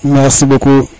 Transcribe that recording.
merci beaucoup